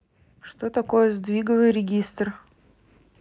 что такое сдвиговой регистр